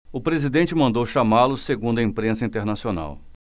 o presidente mandou chamá-lo segundo a imprensa internacional